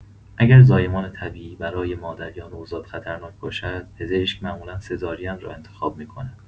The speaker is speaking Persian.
اگر زایمان طبیعی برای مادر یا نوزاد خطرناک باشد، پزشک معمولا سزارین را انتخاب می‌کند.